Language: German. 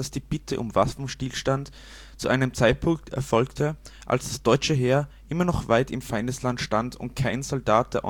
die Bitte um Waffenstillstand zu einem Zeitpunkt erfolgte, als das deutsche Heer immer noch weit in Feindesland stand und kein Soldat der